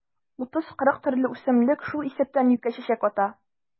30-40 төрле үсемлек, шул исәптән юкә чәчәк ата.